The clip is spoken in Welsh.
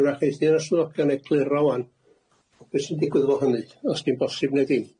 'Wrach geith y swyddogion egluro 'ŵan be sy'n digwydd efo hynny, os di'n bosib ne' ddim.